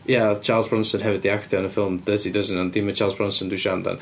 Ia Charles Bronson hefyd 'di actio yn y ffilm Dirty Dozen ond dim y Charles Bronson dwi'n siarad amdan.